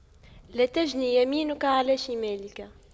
لا تجن يمينك على شمالك